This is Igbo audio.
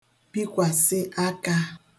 bikwàsị akā